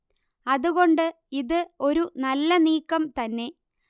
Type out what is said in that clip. അത് കൊണ്ട് ഇത് ഒരു നല്ല നീക്കം തന്നെ